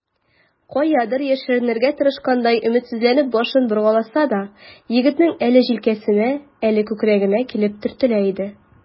Каядыр яшеренергә тырышкандай, өметсезләнеп башын боргаласа да, егетнең әле җилкәсенә, әле күкрәгенә килеп төртелә иде.